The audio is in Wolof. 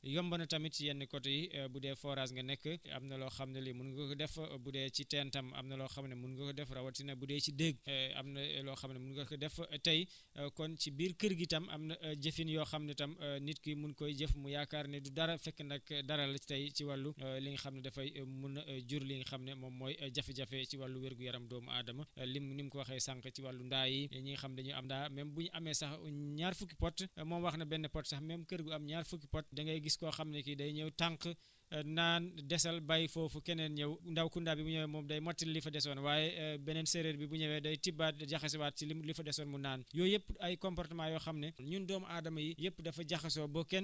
ndox mu sell moomu mun na am yombut ba mu sell lool waaye yomb na tamit ci yenn côté yi bu dee forage nga nekk am na loo xam ne li mun nga ko def bu dee ci teen tam am na loo xam ne mun nga ko def rawatina bu dee si déeg am na loo xam ne mun nga ko def tey kon ci biir kër gi tam am na jëfin yoo xam ni tam nit ki mun koy jëf mu yaakaar ni du dara fekk nag dara la tey ci wàllu li nga xam ni dafay mun a jur li nga xam ne moom mooy jafe-jafe si wàllu wér gu yaram doomu aadama lim nim ko waxee sànq ci wàllu ndaa yi ñi nga xam dañoo am ndaa même bu ñu amee sax ñaar fukki pot moom wax na benn pot sax même kër gu am ñaar fukki pot da ngay gis koo xam ne kii day ñëw tànq naan desal bàyyi foofu keneen ñëw ndawkunda bi bu ñëwee moom day mottali li fa desoon waaye beneen séeréer bi bu ñëwee day tibbaat jaxasewaat si lim li fa desoon mu naan